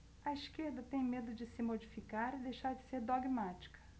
a esquerda tem medo de se modificar e deixar de ser dogmática